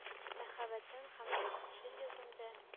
Мәхәббәт һәм дуслык җир йөзендә